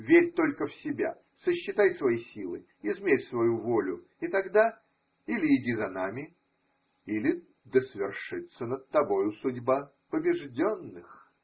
Верь только в себя, сосчитай свои силы, измерь свою волю, и тогда – или иди за нами, или да свершится над тобою судьба побежденных.